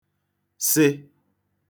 sị